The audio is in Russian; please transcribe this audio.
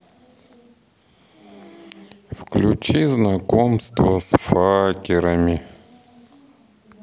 включи знакомство с факерами